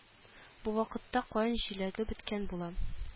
Бу вакытта каен җиләге беткән була